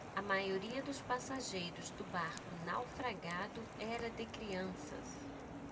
a maioria dos passageiros do barco naufragado era de crianças